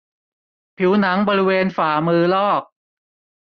ผิวหนังบริเวณฝ่ามือลอก